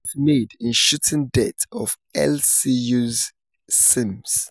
Arrest made in shooting death of LSU's Sims